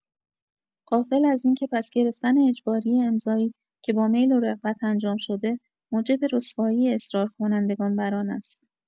غافل از این‌که پس‌گرفتن اجباری امضایی که با میل و رغبت انجام‌شده موجب رسوایی اصرار کنندگان برآن است